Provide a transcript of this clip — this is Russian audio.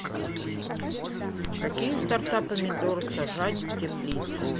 какие сорта помидор сажать в теплице